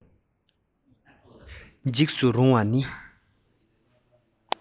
འཇིགས སུ རུང བ ནི